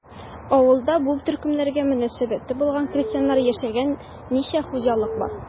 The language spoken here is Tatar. Авылда бу төркемнәргә мөнәсәбәте булган крестьяннар яшәгән ничә хуҗалык бар?